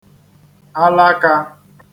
alakā